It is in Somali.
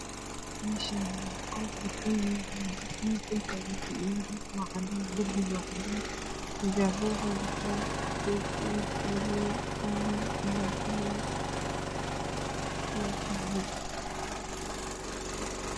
Meshaani waa qol gabdho yar yar ayaa buuxo dhuulka ayeey fadhiyaan dhuulku waa cadan derbiga wàa cada xijabo wexey watan seytuun madoow qalin nanac kuleel iyo qaxwi